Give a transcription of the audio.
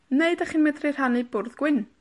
Neu 'dych chi'n medru rhannu bwrdd gwyn.